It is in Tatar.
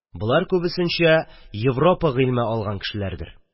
Болар күбесенчә Европа гыйлъме алган кешеләрдер.